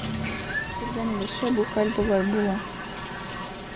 Күргәнегезчә, бу хәл болай була.